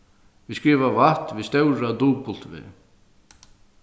vit skriva watt við stóra w